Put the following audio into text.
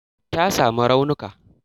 Ta samu raunuka.